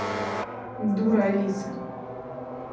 дура алиса